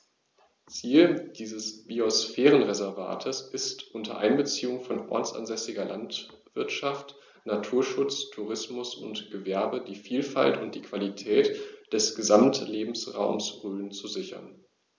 Ziel dieses Biosphärenreservates ist, unter Einbeziehung von ortsansässiger Landwirtschaft, Naturschutz, Tourismus und Gewerbe die Vielfalt und die Qualität des Gesamtlebensraumes Rhön zu sichern.